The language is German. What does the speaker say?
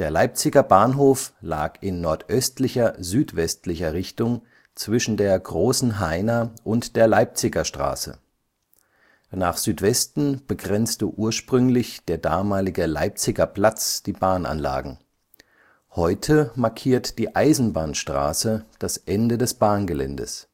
Leipziger Bahnhof lag in nordöstlicher-südwestlicher Richtung zwischen der Großenhainer und der Leipziger Straße. Nach Südwesten begrenzte ursprünglich der damalige Leipziger Platz die Bahnanlagen; heute markiert die Eisenbahnstraße das Ende des Bahngeländes